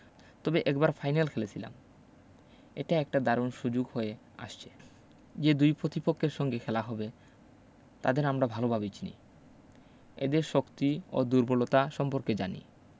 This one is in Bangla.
তবে একবার ফাইনাল খেলেছিলাম এটা একটা দারুণ সুযোগ হয়ে আসছে যে দুই পতিপক্ষের সঙ্গে খেলা হবে তাদের আমরা ভালোভাবে চিনি এদের শক্তি ও দুর্বলতা সম্পর্কে জানি